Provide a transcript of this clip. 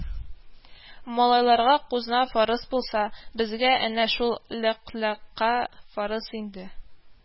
– малайларга кузна фарыз булса, безгә әнә шул ләкъләка фарыз инде